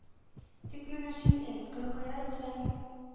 Тик менә син әйт: Конкояр белән